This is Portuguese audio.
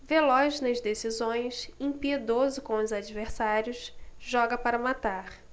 veloz nas decisões impiedoso com os adversários joga para matar